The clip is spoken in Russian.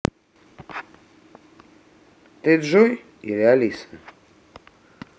ты джой или алиса